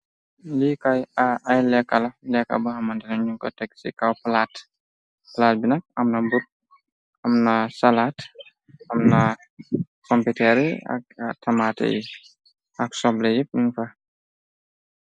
Li kay aay lekka la lekka ba xamantina ñug ko teg ci kaw-palat palaat bi nag amna but amna salaat am na pomputëer yi ak tamaté yi ak soble yep nugfa.